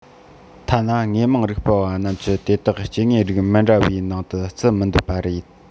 ཐ ན དངོས མང རིག པ བ རྣམས ཀྱིས དེ དག སྐྱེ དངོས རིགས མི འདྲ བའི ནང དུ བརྩི མི འདོད པ རེད